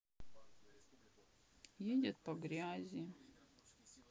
едет по грязи